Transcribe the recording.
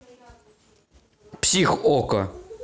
псих okko